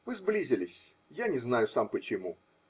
Мы сблизились -- я не знаю сам почему.